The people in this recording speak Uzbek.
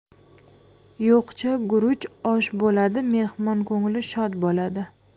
yo'qcha guruch osh bo'ladi mehmon ko'ngli shod bo'ladi